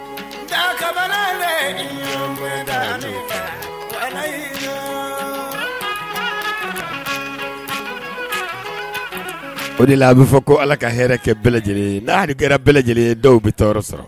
O de la a bɛ fɔ ko Ala ka hɛrɛ kɛ bɛɛ lajɛlen yee n'a dun kɛra bɛɛ lajɛlen dɔw bi tɔɔrɔ sɔrɔ